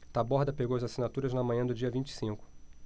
taborda pegou as assinaturas na manhã do dia vinte e cinco